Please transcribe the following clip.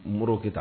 Modibo Keyita